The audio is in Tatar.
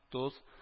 Тоз